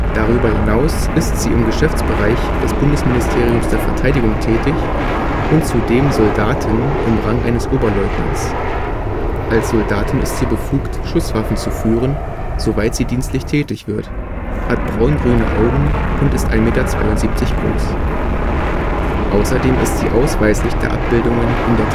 Darüber hinaus ist sie im Geschäftsbereich des Bundesministeriums der Verteidigung tätig und zudem Soldatin im Rang eines Oberleutnants (w). Als Soldatin ist sie befugt, Schusswaffen zu führen, soweit sie dienstlich tätig wird, hat braungrüne Augen und ist 1,72 Meter groß. Außerdem ist sie ausweislich der Abbildungen in der